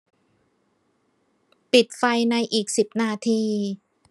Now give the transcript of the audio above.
ปิดไฟในอีกสิบนาที